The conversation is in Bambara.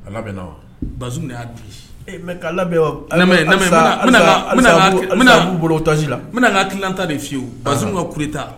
A labnna, Bazumu de h'a di, e mais k'a labɛn n bɛna n ka hakilinata de fɔ i ye wo, Bazumu ka coup d'Etat